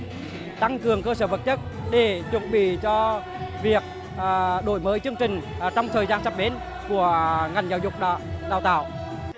tăng cường cơ sở vật chất để chuẩn bị cho việc đổi mới chương trình trong thời gian sắp đến của ngành giáo dục đào tạo